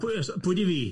Pwy ys- pwy ydi V?